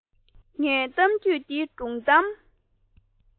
ངའི གཏམ རྒྱུད འདི སྒྲུང གཏམ